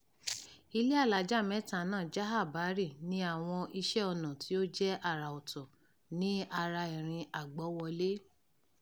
Ilé alájà-mẹ́ta náà “Jahaj Bari” ní àwọn iṣẹ́ ọnà tí ó jẹ́ àrà ọ̀tọ̀ ní ara irin àgbọ́wọ́lé.